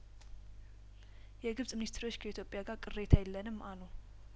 የግብጽ ሚኒስትሮች ከኢትዮጵያ ጋር ቅሬታ የለንም አሉ